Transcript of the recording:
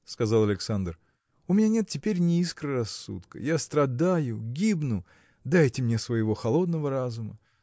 – сказал Александр, – у меня нет теперь ни искры рассудка. Я страдаю, гибну. дайте мне своего холодного разума.